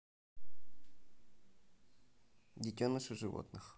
детеныши животных